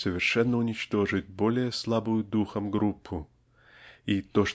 совершенно уничтожить более слабую духом группу и то